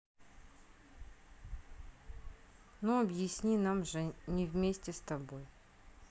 ну объясни нам же не вместе с тобой